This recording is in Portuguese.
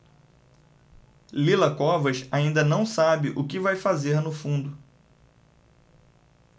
lila covas ainda não sabe o que vai fazer no fundo